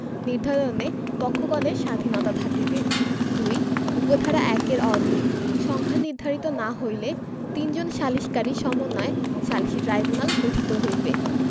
নির্ধারণে পক্ষগণের স্বাধীনতা থাকিবে ২ উপ ধারা ১ এর অধীন সংখ্যা নির্ধারিত না হইলে তিনজন সালিসকারী সমন্বয়ে সালিসী ট্রাইব্যুনাল গঠিত হইবে